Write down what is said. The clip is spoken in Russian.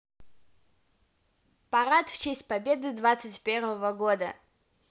парад в честь победы двадцать первого года